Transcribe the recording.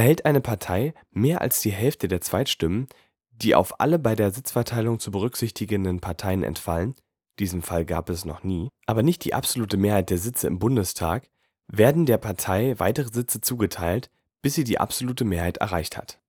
Erhält eine Partei mehr als die Hälfte der Zweitstimmen, die auf alle bei der Sitzverteilung zu berücksichtigenden Parteien entfallen (diesen Fall gab es noch nie), aber nicht die absolute Mehrheit der Sitze im Bundestag, werden der Partei weitere Sitze zugeteilt, bis sie die absolute Mehrheit erreicht hat